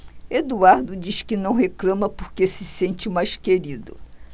eduardo diz que não reclama porque se sente o mais querido